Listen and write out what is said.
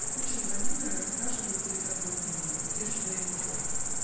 кучер Владимира расхаживал перед оглоблями, удерживая ретивых.